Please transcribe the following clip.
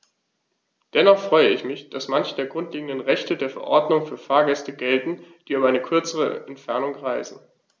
Dennoch freue ich mich, dass manche der grundlegenden Rechte der Verordnung für Fahrgäste gelten, die über eine kürzere Entfernung reisen.